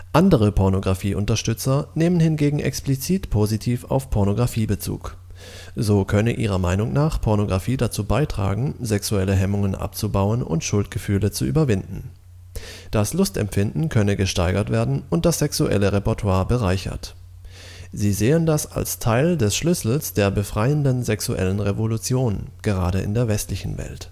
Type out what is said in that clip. Andere Pornografieunterstützer nehmen hingegen explizit positiv auf Pornografie Bezug. So könne ihrer Meinung nach Pornografie dazu beitragen, sexuelle Hemmungen abzubauen und Schuldgefühle zu überwinden. Das Lustempfinden könne gesteigert werden und das sexuelle Repertoire bereichert. Sie sehen das als Teil des Schlüssels der befreienden sexuellen Revolution gerade in der westlichen Welt